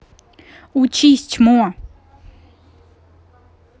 учись чмо